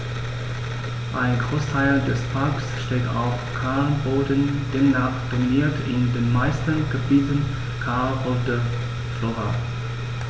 Ein Großteil des Parks steht auf Kalkboden, demnach dominiert in den meisten Gebieten kalkholde Flora.